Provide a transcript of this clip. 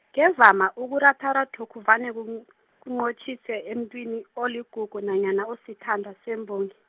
ngevama ukuratharathokho vane kunu- , kunqotjhiswe emuntwini oligugu nanyana osithandwa, sembongi.